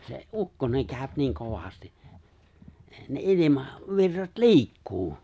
se ukkonen käy niin kovasti ne - ilmavirrat liikkuu